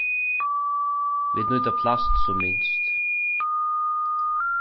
vit nýta plast sum minst